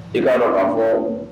I kaa dɔn fɔ